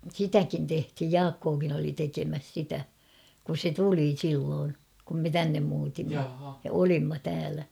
sitäkin tehtiin Jaakkokin oli tekemässä sitä kun se tuli silloin kun me tänne muutimme ja olimme täällä